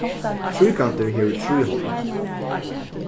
tríkantur hevur trý horn